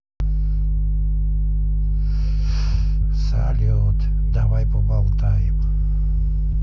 салют давай поболтаем